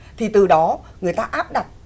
thì từ đó người ta áp đặt